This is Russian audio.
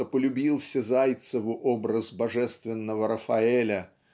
что полюбился Зайцеву образ божественного Рафаэля